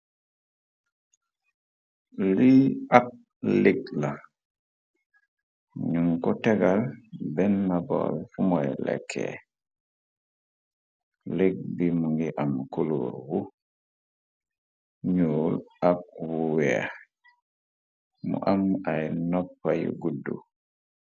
lii ap lig la nun ko tegal bena na bool fumooy lekkee lig bi mu ngi am koloor wu ñuol ab wu weex mu am ay noppa yu guddu.